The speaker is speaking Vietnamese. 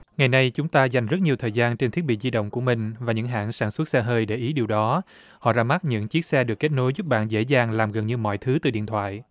ngày nay chúng ta dành rất nhiều thời gian trên thiết bị di động của mình và những hãng sản xuất xe hơi để ý điều đó họ ra mắt những chiếc xe được kết nối giúp bạn dễ dàng làm gần như mọi thứ từ điện thoại